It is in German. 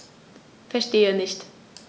Verstehe nicht.